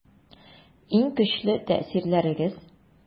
Иң көчле тәэсирләрегез?